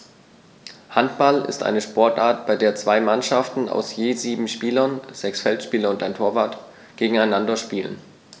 Handball ist eine Sportart, bei der zwei Mannschaften aus je sieben Spielern (sechs Feldspieler und ein Torwart) gegeneinander spielen.